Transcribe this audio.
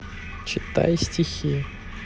читай стихи